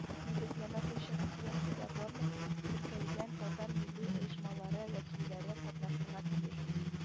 Нигезләмә буенча конференциядә барлык теркәлгән татар милли оешмалары вәкилләре катнашырга тиеш